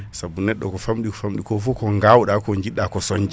saabu neddo ko famɗi famɗi ko foof ko gawɗa ko jidɗa ko conñde